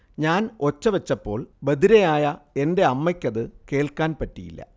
ഞാൻ ഒച്ച വെച്ചപ്പോൾ ബധിരയായ എന്റെ അമ്മയ്ക്കതു കേൾക്കാൻ പറ്റിയില്ല